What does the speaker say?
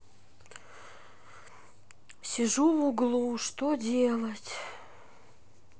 сижу в углу что делать